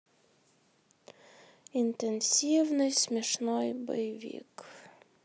интенсивный смешной боевик